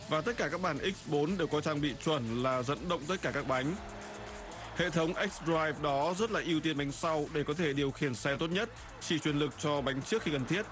và tất cả các bản ích bốn đều có trang bị chuẩn là dẫn động tất cả các bánh hệ thống ếch roai đó rất là ưu tiên bánh sau để có thể điều khiển xe tốt nhất chỉ truyền lực cho bánh trước khi cần thiết